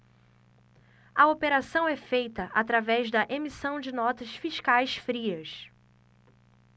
a operação é feita através da emissão de notas fiscais frias